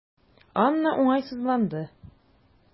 Анна уңайсызланды.